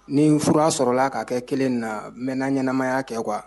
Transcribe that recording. Nin fura sɔrɔlala k'a kɛ kelen na mɛna ɲɛnaɛnɛmaya kɛ kuwa